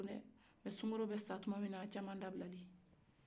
ni sunkalo bɛ sa tumami na o ye caman dabilalen ye